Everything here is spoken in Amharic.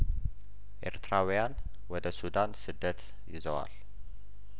ኤርትራውያን ወደ ሱዳን ስደት ይዘዋል